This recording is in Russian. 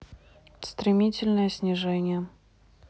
стремительное снижение